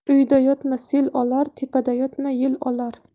uyda yotma sel olar tepada yotma yel olar